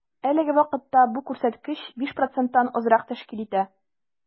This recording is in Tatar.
Әлеге вакытта бу күрсәткеч 5 проценттан азрак тәшкил итә.